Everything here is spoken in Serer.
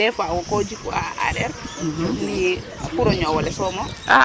Dés fois wo ko jikwa a areer ndi pour o ñoow ole soom o